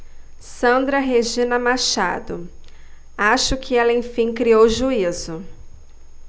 sandra regina machado acho que ela enfim criou juízo